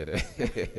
Hɛrɛ